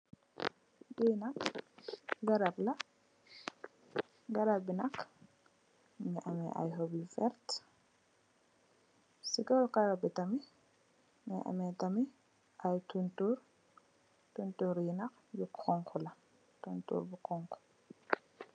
Lii nak garab la, garabi nak, mu ngi am ay xob yu werta. Si kow garab bi tamit, mu ngi am ay toontor, toontor yi, yu xoñxu la, tontoor yu xoñxu.